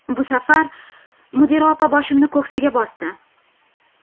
bu safar mudira opa boshimni ko'ksiga bosdi